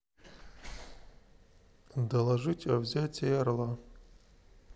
доложить о взятие орла